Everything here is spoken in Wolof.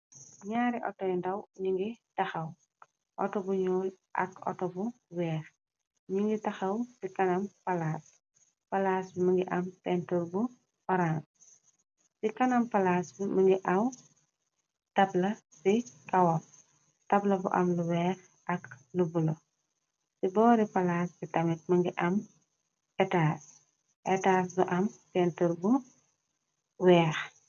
Nyari otu yu ndaw otu bu nyul ak yu wekh ak place bu am pentur bu wekh.